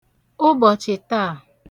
ụbọ̀chị̀ taà